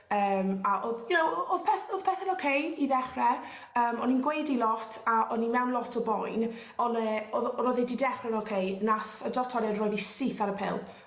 yym a odd you know o- o'dd peth- o'dd pethe'n oce i ddechre yym o'n i'n gwaedu lot a o'n i mewn lot o boen on' yy o'dd o'dd o'dd e 'di dechre'n oce nath y doctoriaid roi fi syth ar y pil